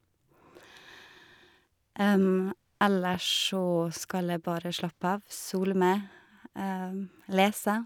Ellers så skal jeg bare slappe av, sole meg, lese.